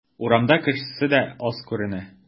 Урамда кешесе дә аз күренә.